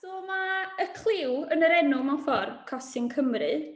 So ma' y cliw yn yr enw mewn ffordd, Cosyn Cymru.